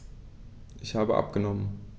Ich habe abgenommen.